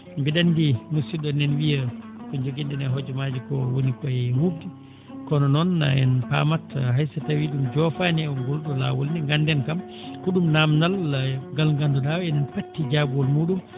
mbiɗa anndi musidɗo nena wiiya ko njogino ɗen e hojomaaji koo woni koye huuɓde kono noon en paamat hay so tawii joofaani e ngol ɗoo laawol ne ngannden kam ko ɗum naamdal ngal nganndu ɗaa eɗen pattii jaabuwol muɗum